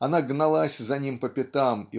она гналась за ним по пятам